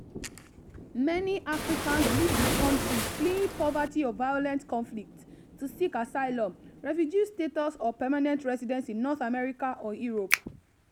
Many Africans leave the countries fleeing poverty or violent conflict, to seek asylum, refugee status or permanent residence in North America or Europe.